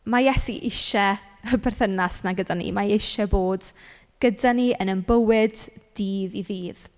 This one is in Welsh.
Ma' Iesu isie y berthynas 'na gyda ni, mae e isie bod gyda ni yn ein bywyd dydd i ddydd.